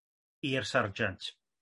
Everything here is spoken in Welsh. i'r sarjant.